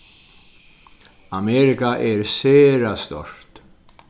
amerika er sera stórt